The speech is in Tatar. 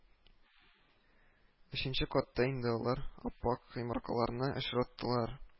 Өченче катта инде алар ап-ак йомыркаларны очраттылар